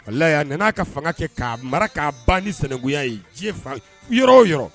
Kaya n'a ka fanga kɛ k'a mara'a ban ni sɛnɛkuya ye diɲɛ fa yɔrɔ yɔrɔ